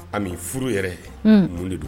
A bɛ furu yɛrɛ mun de don